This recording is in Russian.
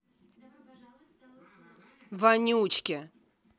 вонючки